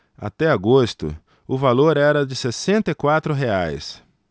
até agosto o valor era de sessenta e quatro reais